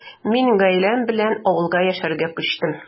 Мин гаиләм белән авылга яшәргә күчтем.